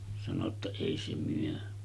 sanoi jotta ei se myy